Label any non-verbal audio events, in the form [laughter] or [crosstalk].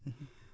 [hesitation] [hesitation]